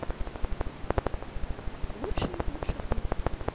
лучшие из лучших мест